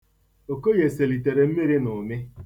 ̣Okoye selitere mmiri n'ụmị.